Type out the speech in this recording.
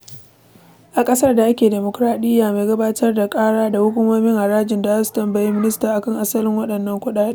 A ƙasar da ake demokoraɗiyya, mai gabatar da ƙara da hukumomin haraji za su tambayi ministan akan asalin waɗannan kuɗaɗe. pic.twitter.com/98809Ef1kM.